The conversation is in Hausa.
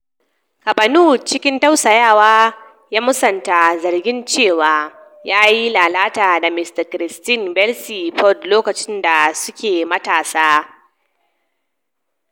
Kavanaugh cikin tausayawa ya musanta zargin cewa ya yi lalata da Dr. Christine Blasey Ford lokacin da suke matasa.